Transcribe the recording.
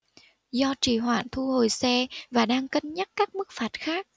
do trì hoãn thu hồi xe và đang cân nhắc các mức phạt khác